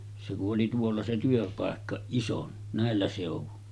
se kun oli tuolla se työpaikka ison näillä seuduin